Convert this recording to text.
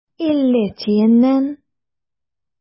Илле тиеннән.